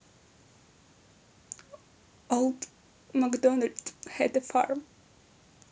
олд макдональд хэд э фарм